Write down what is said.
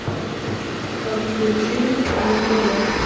а включи нтв